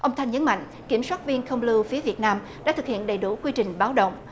ông thanh nhấn mạnh kiểm soát viên không lưu phía việt nam đã thực hiện đầy đủ quy trình báo động